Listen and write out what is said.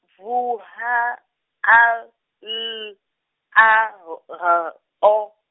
V H A L A H O.